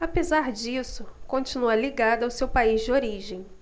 apesar disso continua ligado ao seu país de origem